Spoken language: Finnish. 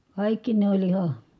kaikki ne oli ihan